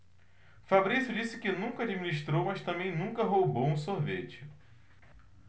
fabrício disse que nunca administrou mas também nunca roubou um sorvete